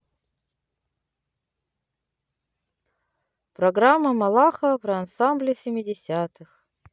программа малахова про ансамбли семидесятых